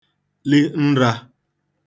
li nrā